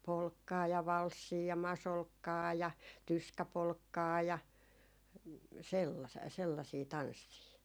polkkaa ja valssia ja masolkkaa ja tyskäpolkkaa ja - sellaisia tansseja